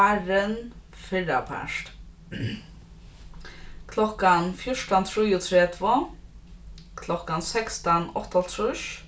áðrenn fyrrapart klokkan fjúrtan trýogtretivu klokkan sekstan áttaoghálvtrýss